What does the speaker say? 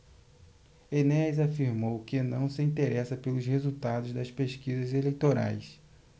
enéas afirmou que não se interessa pelos resultados das pesquisas eleitorais